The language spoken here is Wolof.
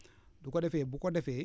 bu ko defee bu ko defee